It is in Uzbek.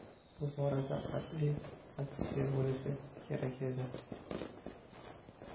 bu borada qat'iy pozitsiya bo'lishi kerak edi